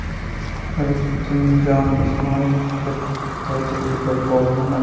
nurdinjon ismoilovda tajriba bor